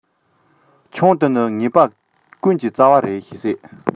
ཆང དེ ཉེས པ ཀུན གྱི རྩ བ ཡིན